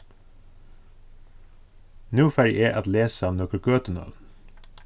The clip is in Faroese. nú fari eg at lesa nøkur gøtunøvn